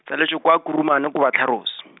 tsaletswe kwa Kuruman ko Batlharos .